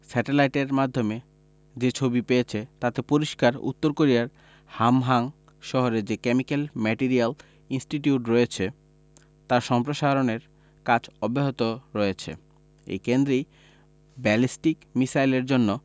স্যাটেলাইটের মাধ্যমে যে ছবি পেয়েছে তাতে পরিষ্কার উত্তর কোরিয়ার হামহাং শহরে যে কেমিক্যাল ম্যাটেরিয়াল ইনস্টিটিউট রয়েছে তার সম্প্রসারণের কাজ অব্যাহত রয়েছে এই কেন্দ্রেই ব্যালিস্টিক মিসাইলের জন্য